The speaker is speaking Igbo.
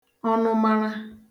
ọnụmara